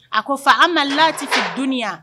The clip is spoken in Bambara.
A ko fa an ma lati ka dunanniya